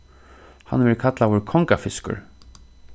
hann verður kallaður kongafiskur